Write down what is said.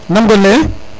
nam gonle ye